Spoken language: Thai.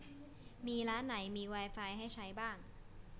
มีร้านไหนมีไวไฟให้ใช้บ้าง